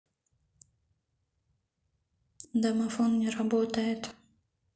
домофон не работает